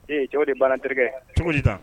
Ee cɛw de banna terikɛ cogo ta